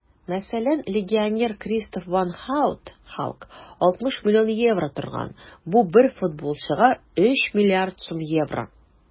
Мәсәлән, легионер Кристоф ван Һаут (Халк) 60 млн евро торган - бу бер футболчыга 3 млрд сум евро!